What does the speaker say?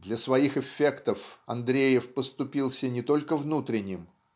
Для своих эффектов Андреев поступился не только внутренним